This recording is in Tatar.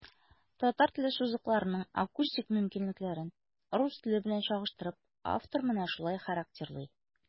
Татар теле сузыкларының акустик мөмкинлекләрен, рус теле белән чагыштырып, автор менә шулай характерлый.